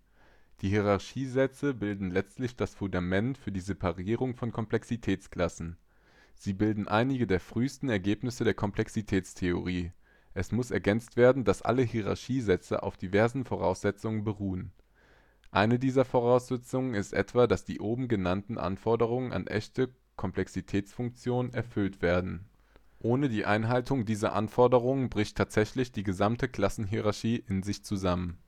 Die Hierarchiesätze bilden letztlich das Fundament für die Separierung von Komplexitätsklassen. Sie bilden einige der frühesten Ergebnisse der Komplexitätstheorie. Es muss ergänzt werden, dass alle Hierarchiesätze auf diversen Voraussetzungen beruhen. Eine dieser Voraussetzungen ist etwa, dass die oben genannten Anforderungen an echte Komplexitätsfunktionen erfüllt werden. Ohne die Einhaltung dieser Anforderungen bricht tatsächlich die gesamte Klassenhierarchie in sich zusammen